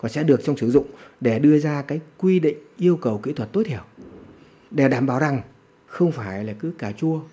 có sẽ được trong sử dụng để đưa ra cái quy định yêu cầu kỹ thuật tối thiểu để đảm bảo rằng không phải là cứ cà chua